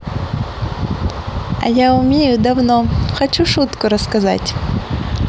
а я умею давно хочу шутку рассказать